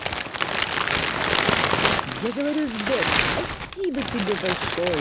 я говорю сбер спасибо тебе большое